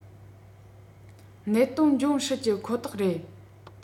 གནད དོན འབྱུང སྲིད ཀྱི ཁོ ཐག རེད